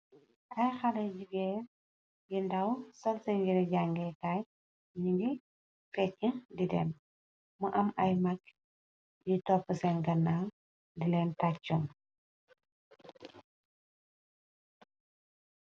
Ay xale jigeen yu ndaw sol sen yire jangeekaay, nyu ngi fecca di deem, mu am ay mag yi topp seen ganaaw di leen tàccul.